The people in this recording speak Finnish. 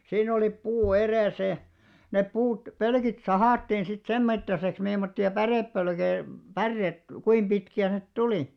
siinä oli puu edessä ja ne puut pölkit sahattiin sitten sen mittaiseksi mimmoisia pärepölkkejä päreet kuinka pitkiä ne tuli